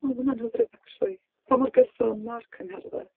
O ma' hwnna'n hyfryd acshyli. Pa mor gyson ma'r cyngerddau?